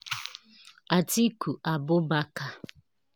Atiku Abubakar